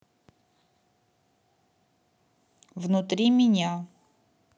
внутри меня